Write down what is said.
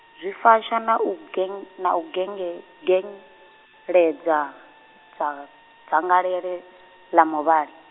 zwifasha nau ge-, nau genge-, gengedza, dza- dzangalelo ḽa muvhali.